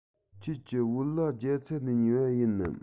ཁྱེད ཀྱི བོད ལྭ རྒྱ ཚ ནས ཉོས པ ཡིན ནམ